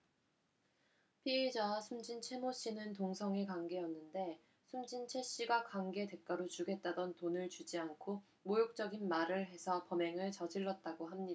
피의자와 숨진 최 모씨는 동성애 관계였는데 숨진 최씨가 관계 대가로 주겠다던 돈을 주지 않고 모욕적인 말을 해서 범행을 저질렀다고 합니다